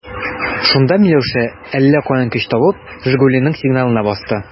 Шунда Миләүшә, әллә каян көч табып, «Жигули»ның сигналына басты.